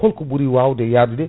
holko ɓuuri wawde yadude